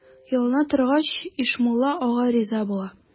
Ялына торгач, Ишмулла ага риза була.